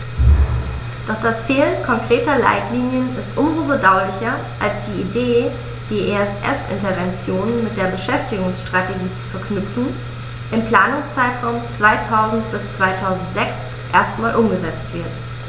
Doch das Fehlen konkreter Leitlinien ist um so bedauerlicher, als die Idee, die ESF-Interventionen mit der Beschäftigungsstrategie zu verknüpfen, im Planungszeitraum 2000-2006 erstmals umgesetzt wird.